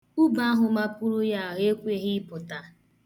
Ube ahụ mapuru ya ahụ ekweghị ịpụta.